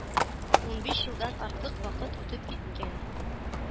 Унбиш елдан артык вакыт үтеп киткән